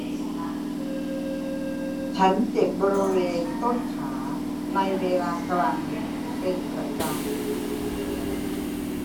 ฉันเจ็บบริเวณต้นขาในเวลากลางดึกเป็นประจำ